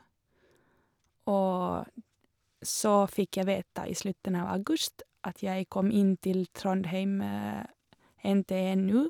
Og så fikk jeg vite i slutten av august at jeg kom inn til Trondheim NTNU.